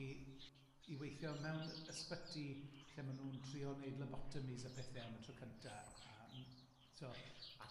i i weithio mewn ysbyty lle ma' nw'n trio neud lobotomies a pethe am y tro cynta a m- so a...